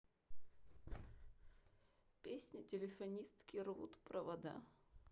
песня телефонистки рвут провода